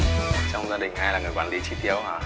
trong gia đình ai là người quản lý chi tiêu á hả